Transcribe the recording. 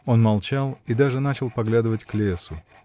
Он молчал и даже начал поглядывать к лесу.